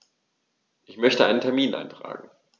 Ich möchte einen Termin eintragen.